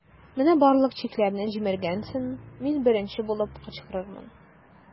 Менә барлык чикләрне җимергәннән соң, мин беренче булып кычкырырмын.